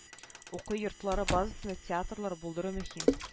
Уку йортлары базасында театрлар булдыру мөһим